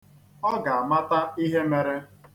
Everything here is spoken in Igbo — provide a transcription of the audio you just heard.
Ọ ga-amata ihe mere.